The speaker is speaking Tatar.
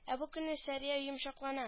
Ә бу көнне сәрия йомшаклана